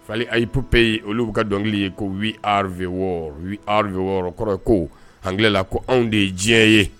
Fally Hipupe olu ka dɔnkili kon We are the world , we are the world ,we are the world o kɔrɔ ye ko ankilɛ la, ko anw de ye diɲɛ ye,